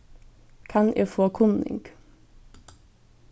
kann eg fáa kunning